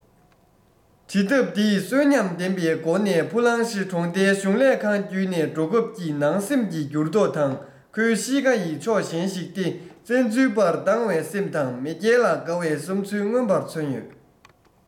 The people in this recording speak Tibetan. འབྲི ཐབས འདིས གསོན ཉམས ལྡན པའི སྒོ ནས ཧྥུ ལང ཧྲི གྲོང རྡལ གཞུང ལས ཁང བརྒྱུད ནས འགྲོ སྐབས ཀྱི ནང སེམས ཀྱི འགྱུར ལྡོག དང ཁོའི གཤིས ཀ ཡི ཕྱོགས གཞན ཞིག སྟེ བཙན འཛུལ པར སྡང བའི སེམས དང མེས རྒྱལ ལ དགའ བའི བསམ ཚུལ མངོན པར མཚོན ཡོད